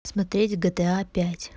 смотреть гта пять